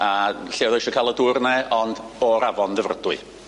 a lle oedd e isio ca'l y dŵr yma ond o'r afon Dyfrdwy